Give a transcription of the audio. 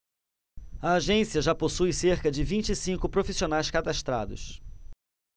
a agência já possui cerca de vinte e cinco profissionais cadastrados